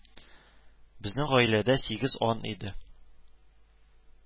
Безнең гаиләдә сигез ан иде